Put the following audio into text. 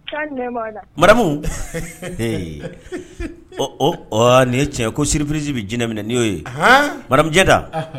Kan jumɛn b'aw da, madamu, ɔ nin ye tiɲɛ ye ko suprise bɛ jinɛ minɛ nin y'o ye, han, madame Jɛnta